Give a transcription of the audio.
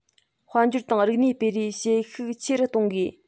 དཔལ འབྱོར དང རིག གནས སྤེལ རེས བྱེད ཤུགས ཆེ རུ གཏོང དགོས